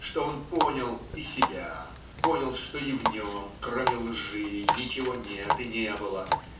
Что он понял и себя, понял, что и в нем, кроме лжи, ничего нет и не было